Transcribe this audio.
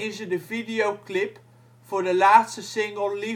ze de videoclip voor de laatste single